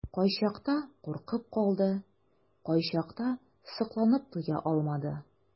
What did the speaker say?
Кайчакта куркып калды, кайчакта сокланып туя алмады.